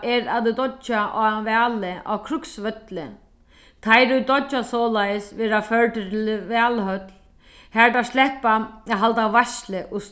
er at doyggja á vali á krígsvølli teir ið doyggja soleiðis verða førdir til valhøll har teir sleppa at halda veitslu og